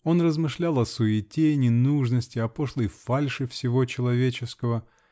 Он размышлял о суете, ненужности, о пошлой фальши всего человеческого.